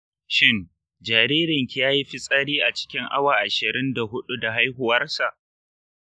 shin jaririnki yayi fitsari a cikin awa ashirin da hudu da haihuwarsa?